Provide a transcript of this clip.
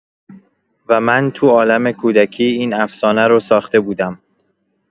و من تو عالم کودکی، این افسانه رو ساخته بودم.